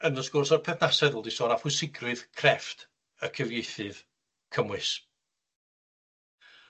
yn y sgwrs a'r perthnasedd fel dwi sôn a pwysigrwydd crefft y cyfieithydd cymwys.